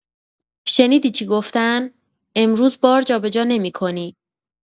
شنیدی چی گفتن، امروز بار جابه‌جا نمی‌کنی.